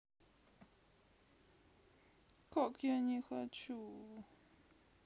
как я не хочу